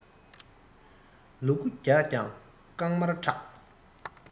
ལུ གུ རྒྱགས ཀྱང རྐང མར ཁྲག